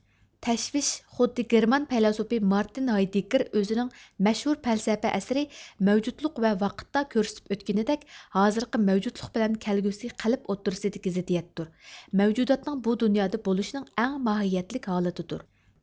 تەشۋىش خۇددى گېرمان پەيلاسوپى مارتىن ھايدېگگىر ئۆزىنىڭ مەشھۇر پەلسەپە ئەسىرى مەۋجۇتلۇق ۋە ۋاقىتتا كۆرسىتىپ ئۆتكىنىدەك ھازىرقى مەۋجۇتلۇق بىلەن كەلگۈسى قەلب ئوتتۇرىسىدىكى زىددىيەتتۇر مەۋجۇداتنىڭ بۇ دۇنيادا بولۇشىنىڭ ئەڭ ماھىيەتلىك ھالىتىدۇر